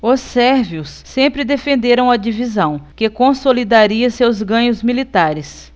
os sérvios sempre defenderam a divisão que consolidaria seus ganhos militares